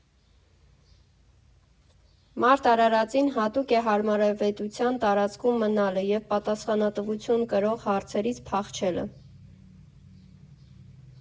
Մարդ արարածին հատուկ է հարմարավետության տարածքում մնալը, և պատասխանատվություն կրող հարցերից փախչելը։